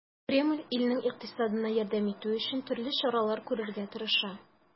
Кремль илнең икътисадына ярдәм итү өчен төрле чаралар күрергә тырыша.